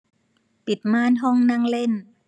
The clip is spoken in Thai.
ปิดม่านห้องนั่งเล่น